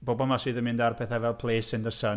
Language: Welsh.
Bobl 'ma sydd yn mynd ar petha fel Place in the Sun.